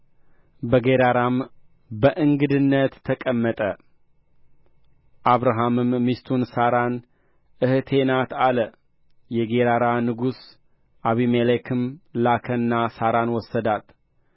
በጌራራም በእንግድነት ተቀመጠ አብርሃምም ሚስቱን ሣራን እኅቴ ናት አለ የጌራራ ንጉሥ አቢሜሌክም ላከና ሣራን ወሰዳት